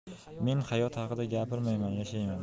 men hayot haqida gapirmayman yashayman